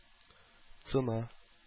Цена